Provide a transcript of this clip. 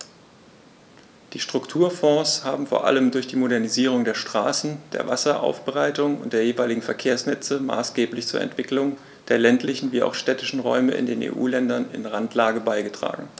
Die Strukturfonds haben vor allem durch die Modernisierung der Straßen, der Wasseraufbereitung und der jeweiligen Verkehrsnetze maßgeblich zur Entwicklung der ländlichen wie auch städtischen Räume in den EU-Ländern in Randlage beigetragen.